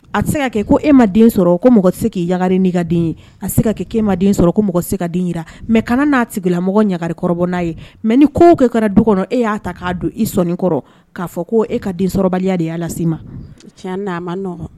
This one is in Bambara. A tɛ se ka kɛ ko e ma den sɔrɔ ko mɔgɔ tɛ se k' ɲagaga' ka den ye a tɛ se ka kɛ e ma sɔrɔ ko mɔgɔ se ka den yi mɛ kana n'a sigila mɔgɔ ɲagagali kɔrɔ n'a ye mɛ ni ko kɛ kɛra du kɔnɔ e y'a ta k'a don i sɔnɔni kɔrɔ k'a fɔ ko e ka densɔrɔbali de y'a lase ma'a ma